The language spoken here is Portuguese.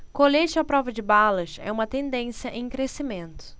colete à prova de balas é uma tendência em crescimento